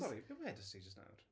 Sori, be wedest ti jyst nawr?